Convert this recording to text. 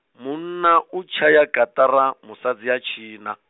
munna u tshaya kaṱara, musadzi a tshina.